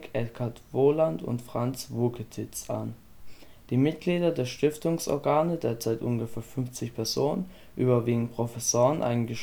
Eckart Voland und Franz Wuketits an. Die Mitglieder der Stiftungsorgane, derzeit ungefähr 50 Personen (überwiegend Professoren, einige